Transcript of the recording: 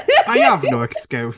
I have no excuse.